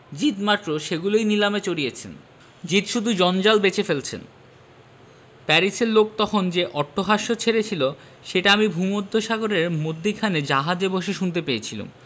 জিদ মাত্র সেগুলোই নিলামে চড়িয়েছেন জিদ শুধু জঞ্জাল বেচে ফেলছেন প্যারিসের লোক তখন যে অট্টহাস্য ছেড়েছিল সেটা আমি ভূমধ্যসাগরের মধ্যিখানে জাহাজে বসে শুনতে পেয়েছিলুম